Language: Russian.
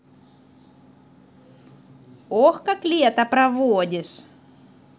ок как лето проводишь